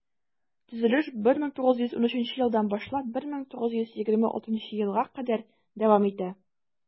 Төзелеш 1913 елдан башлап 1926 елга кадәр дәвам итә.